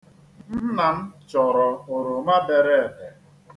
Nna m chọrọ oroma dere ede.